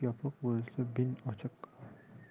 yopiq bo'lsa bin ochiq